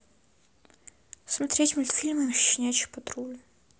смотреть мультфильмы щенячий патруль